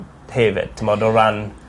pervert t'mod o ran